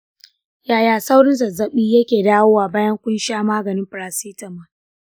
yaya saurin zazzabin yake dawowa bayan kun sha maganin paracetamol